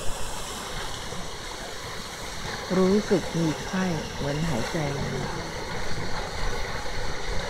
รู้สึกมีไข้เหมือนหายใจลำบาก